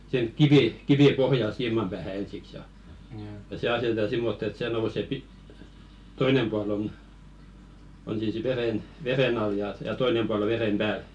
siihen kivi kivi pohjalle siiman päähän ensiksi ja ja se asetetaan semmottoon että se nousee - toinen puoli on on siis veden veden alla ja ja toinen puoli on veden päällä